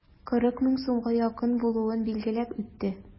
40 мең сумга якын булуын билгеләп үтте.